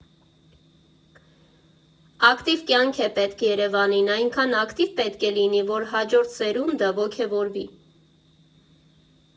Ակտիվ կյանք է պետք Երևանին, այնքան ակտիվ պետք է լինի, որ հաջորդ սերունդը ոգևորվի։